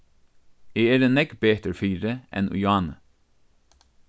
eg eri nógv betur fyri enn í áðni